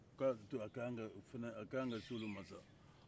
ko a ka kan ka se olu ma sa